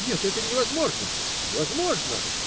- Нет, это невозможно! невозможно!